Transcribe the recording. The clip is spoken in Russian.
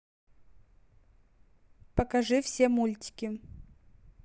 покажи все мультики